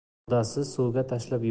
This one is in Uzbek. murdasi suvga tashlab